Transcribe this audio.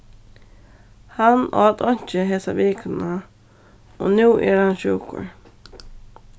hann át einki hesa vikuna og nú er hann sjúkur